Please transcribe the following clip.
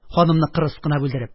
Ханымны кырыс кына бүлдереп